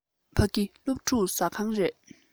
ཕ གི སློབ ཕྲུག གི ཟ ཁང རེད